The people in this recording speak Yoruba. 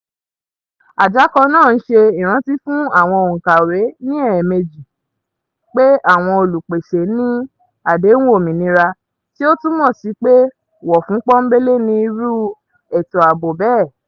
Àjákọ náà ń ṣe ìrántí fún àwọn òǹkàwé - ní ẹ̀ẹ̀mejì - pé àwọn olùpèsè ní " àdéhùn òmìnira", tí ó túmọ̀ sí pé wọ̀fún pọ́nńbélé ni irú ètò àbò bẹ́ẹ̀.